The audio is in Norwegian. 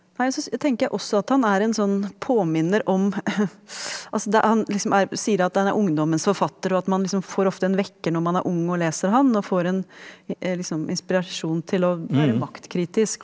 nei så tenker jeg også at han er en sånn påminner om altså det han liksom er sier at han er ungdommens forfatter og at man liksom får ofte en vekker når man er ung og leser han og får en liksom inspirasjon til å være maktkritisk.